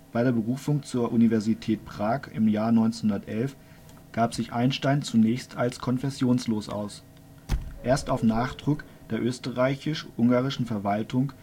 Bei der Berufung zur Universität Prag (1911) gab sich Einstein zunächst als konfessionslos aus. Erst auf Nachdruck der österreichisch-ungarischen Verwaltung